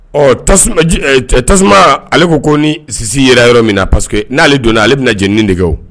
Ɔ tasuma ale ko ko ni sisi yɛrɛ yɔrɔ min na parce que n'ale donna ale bɛna lajɛleneni dɛ